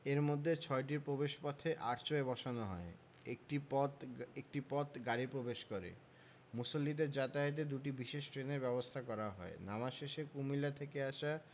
এর মধ্যে ছয়টি প্রবেশপথে আর্চওয়ে বসানো হয় একটি পথ গাড়ি প্রবেশ করে মুসল্লিদের যাতায়াতে দুটি বিশেষ ট্রেনের ব্যবস্থা করা হয় নামাজ শেষে কুমিল্লা থেকে আসা